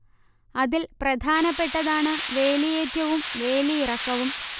അതിൽ പ്രധാനപ്പെട്ടതാണ് വേലിയേറ്റവും വേലിയിറക്കവും